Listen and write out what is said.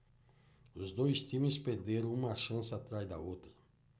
os dois times perderam uma chance atrás da outra